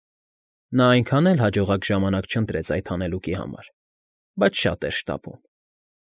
Նա այնքան էլ հաջող ժամանակ չընտրեց այդ հանելուկի համար, բայց շատ էր շտապում։